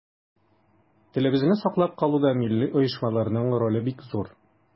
Телебезне саклап калуда милли оешмаларның роле бик зур.